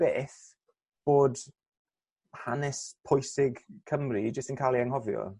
byth bod hanes pwysig Cymru jyst yn ca'l ei anghofio.